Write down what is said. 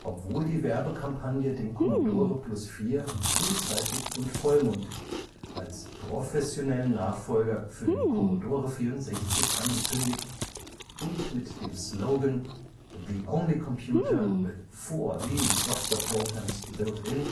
obwohl die Werbekampagne den Commodore Plus/4 frühzeitig und vollmundig als „ professionellen Nachfolger “für den Commodore 64 angekündigt und mit dem Slogan „ The only computer with four leading software programs built in